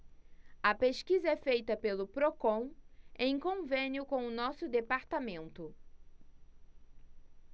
a pesquisa é feita pelo procon em convênio com o diese